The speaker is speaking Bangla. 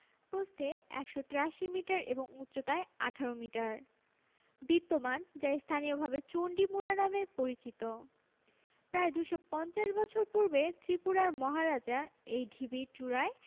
প্রস্থে ১৮৩ মিটার এবং উচ্চতায় ১৮ মিটার বিদ্যমান যা স্থানীয়ভাবে চণ্ডী মুড়া নামে পরিচিত প্রায় ২৫০ বছর পূর্বে ত্রিপুরার মহারাজা এই ঢিবির চূড়ায়